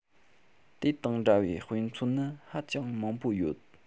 དེ དང འདྲ བའི དཔེ མཚོན ནི ཧ ཅང མང པོ ཡོད